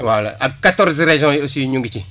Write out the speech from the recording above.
voilà ak quatorze régions yi aussi ñu ngi ci